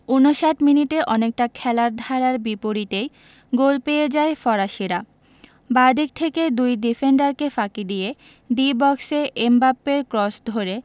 ৫৯ মিনিটে অনেকটা খেলার ধারার বিপরীতেই গোল পেয়ে যায় ফরাসিরা বাঁ দিক থেকে দুই ডিফেন্ডারকে ফাঁকি দিয়ে ডি বক্সে এমবাপ্পের ক্রস ধরে